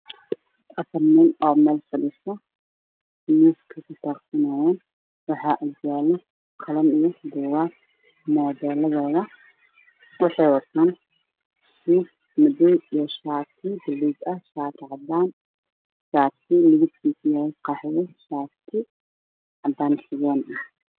Halkaan waxaa ka muuqdo sadex nin labo kamid midna wuxuu qabaa shaati cadaan ah mid kalena waxa uu qabaa shaati qaxwi ah iyo ookiyaalo madaw ah oo uu gashanaayo miiskana waxa u saaran mobile iyo waraaqado